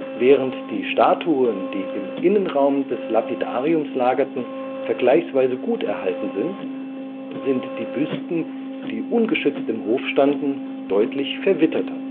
Während die Statuen, die im Innenraum des Lapidariums lagerten, vergleichsweise gut erhalten sind, sind die Büsten, die ungeschützt im Hof standen, deutlich verwitterter